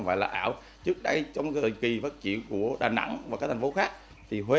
phải là ảo trước đây trong thời kỳ phát triển của đà nẵng và các thành phố khác tỷ huế